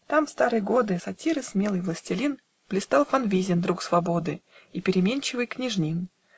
там в стары годы, Сатиры смелый властелин, Блистал Фонвизин, друг свободы, И переимчивый Княжнин